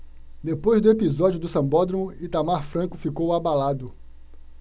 depois do episódio do sambódromo itamar franco ficou abalado